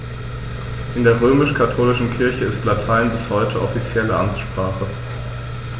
In der römisch-katholischen Kirche ist Latein bis heute offizielle Amtssprache.